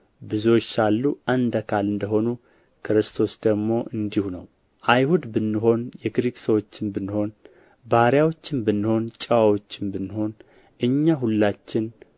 ብዙዎች ሳሉ አንድ አካል እንደ ሆኑ ክርስቶስ ደግሞ እንዲሁ ነው አይሁድ ብንሆን የግሪክ ሰዎችም ብንሆን ባሪያዎችም ብንሆን ጨዋዎችም ብንሆን እኛ ሁላችን